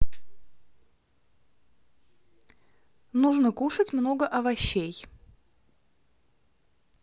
нужно кушать много овощей